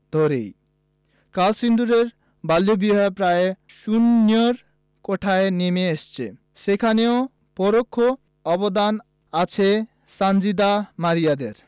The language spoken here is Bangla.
ধরেই কলসিন্দুরে বাল্যবিবাহ প্রায় শূন্যের কোঠায় নেমে এসেছে সেখানেও পরোক্ষ অবদান আছে সানজিদা মারিয়াদের